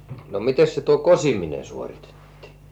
mitenkäs se tuo kosiminen suoritettiin